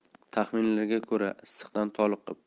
taxminlarga ko'ra issiqdan toliqqan